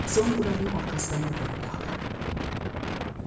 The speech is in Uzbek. so'ng ularning orqasidan yugurib qoldim